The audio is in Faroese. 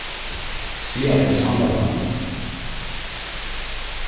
siga tey sannleikan